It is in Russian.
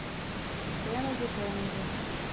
кенди кенди